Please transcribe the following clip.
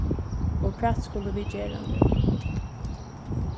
og hvat skulu vit gera nú